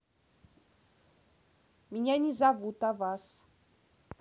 меня не зовут а вас